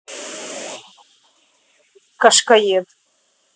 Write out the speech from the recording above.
какашкоед